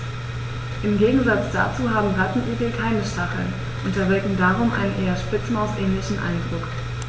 Im Gegensatz dazu haben Rattenigel keine Stacheln und erwecken darum einen eher Spitzmaus-ähnlichen Eindruck.